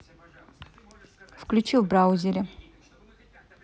включи в браузере